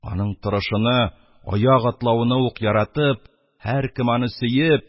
Аның торышыны, аяк атлавыны ук яратып, һәркем аны сөеп: